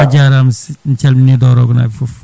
a jarama min calmini Doorogo naaɓe foof